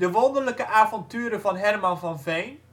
wonderlijke avonturen van Herman van Veen